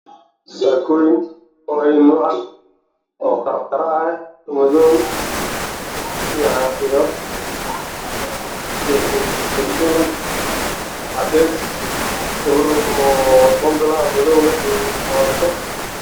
Waa carwo waxaa ii muuqata saakooyin dumar ah